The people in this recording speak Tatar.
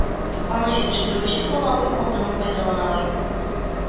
Аны җитештерү өчен балавыз калдыгын файдаланалар